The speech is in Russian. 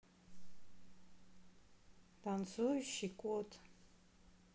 танцующий кот